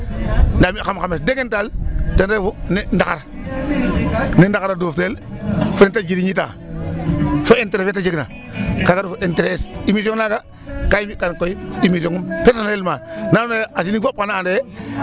Ndaa xam xam degantan ten refu ndaxar ne ndaxar a duuftel fo ne ta jirñita fo interet fe te jegna kaaga refu intéret es émission nga ka i mbi'kan koy émission personellement na andoona yee a sinig fop xan da ande .